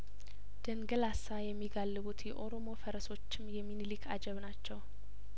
ደን ገላሳ የሚጋል ቡት የኦሮሞ ፈረሰኞችም የምንሊክ አጀብ ናቸው